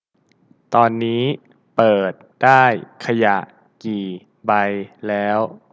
ตอนนี้เปิดได้ขยะกี่ใบแล้ว